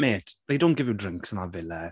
Mate, they don't give you drinks in that villa.